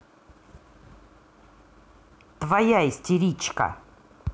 твоя истеричка